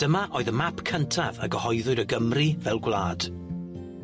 Dyma oedd y map cyntaf y gyhoeddwyd o Gymru fel gwlad.